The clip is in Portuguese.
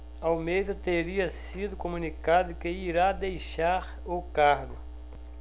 almeida teria sido comunicado que irá deixar o cargo